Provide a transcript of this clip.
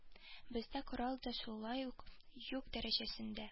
Бездә корал да шулай ук юк дәрәҗәсендә